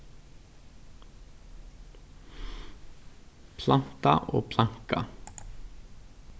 planta og planka